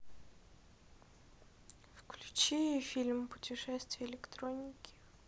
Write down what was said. включи фильм путешествие электроники